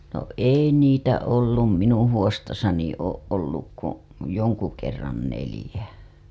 no ei niitä ollut minun huostassani ole ollut kuin jonkun kerran neljä